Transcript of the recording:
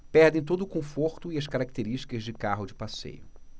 perdem todo o conforto e as características de carro de passeio